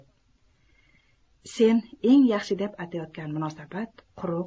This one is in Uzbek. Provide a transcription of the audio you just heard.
sen eng yaxshi deb atayotgan munosabat quruq